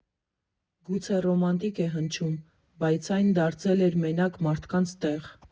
Գուցե ռոմանտիկ է հնչում, բայց այն դարձել էր մենակ մարդկանց տեղ։